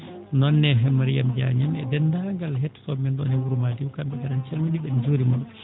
noon ne Mariame Diagne en e deennndaangal hettotoo ɓe men ɗo e wuro Madiw kamɓe kala en calminii ɓe en njuuriima ɓe